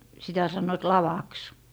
sitä sanoivat lavaksi